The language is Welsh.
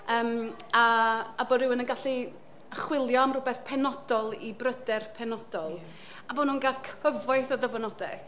Yym a a bod rywun yn gallu chwilio am rywbeth penodol i bryder penodol... ia. ...a bod nhw'n cael cyfoeth o ddyfynodau.